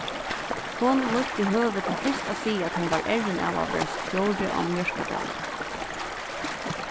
hon nýtti høvið til fyrst at siga at hon var errin av at vera stjóri á mjørkadali